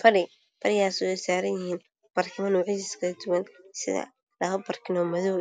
Fadhi fadhiyasow ay saran yihin Barkimo Noocyadiisa Kala Duwan sida laba Barkimoo madow